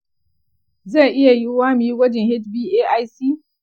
zai iya yiwuwa mu yi gwajin hba1c.